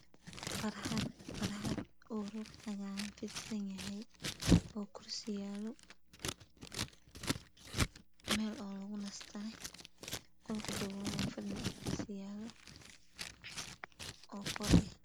Barxad oo roog cagaaran fidsan yahay kursi cagaaran yaalo meel lagu nasto oo kor ah